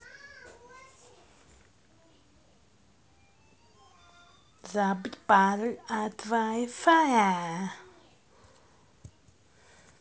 забыть пароль вай фая